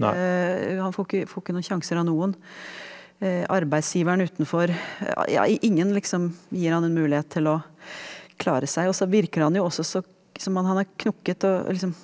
han får ikke får ikke noen sjanser av noen, arbeidsgiveren utenfor ja ingen liksom gir han en mulighet til å klare seg, også virker han jo også så som om han er knekket og liksom